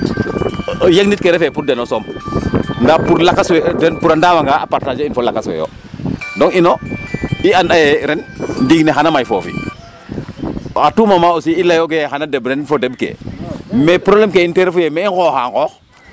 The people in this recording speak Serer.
yegnit ke refee pour den o soom ndae pour lakas we den a ndawanga a partager in fo lakas we yo donc ino i anda yee ren ndiig ne xaya may foofi a tout moment aussi i layooga yee xan a deɓ ren fo deɓkee mais problème in ten feru yee me i nooxaa nqoox.